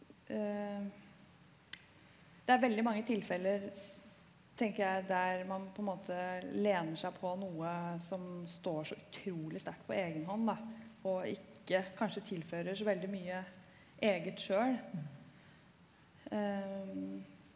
det er veldig mange tilfeller tenker jeg der man på en måte lener seg på noe som står så utrolig sterkt på egen hånd da og ikke kanskje tilfører så veldig mye eget sjøl .